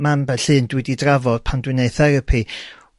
ma' amball un dwi 'di drafod pan dwi'n neud therapi